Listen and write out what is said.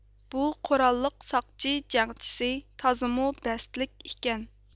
بۇ قوراللىق ساقچى جەڭچىسى تازىمۇ بەستلىك ئىكەن